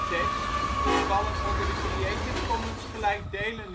53° 18 ' NB, 6° 43